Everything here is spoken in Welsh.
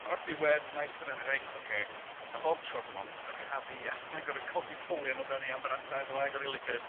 o'r diwedd mae Ysbyddyden reit ocê a bob tro dym' o'n dyrchafu a ma' gorod codi polion o dan 'i amarantau iddo fo agor 'i lyged